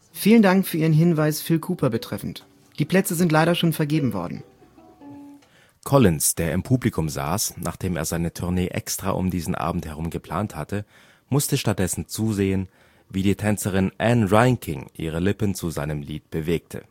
Vielen Dank für Ihren Hinweis Phil Cooper betreffend. Die Plätze sind leider schon vergeben worden. “Collins, der im Publikum saß, nachdem er seine Tournee extra um diesen Abend herum geplant hatte, musste stattdessen zusehen, wie die Tänzerin Ann Reinking ihre Lippen zu seinem Lied bewegte